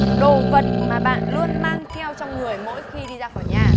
đồ vật mà bạn luôn mang theo trong người mỗi khi đi ra khỏi nhà